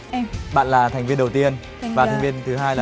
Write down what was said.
bạn là thành viên đầu tiên và thành viên thứ hai là